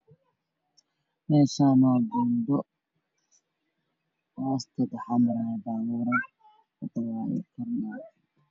Meshan waa buundo hosted waxmaray babuur wado wayay